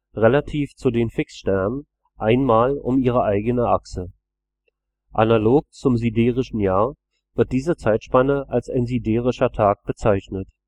relativ zu den Fixsternen ein Mal um ihre eigene Achse. Analog zum siderischen Jahr wird diese Zeitspanne als ein siderischer Tag bezeichnet